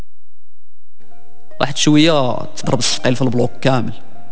شويات الف مبروك كامل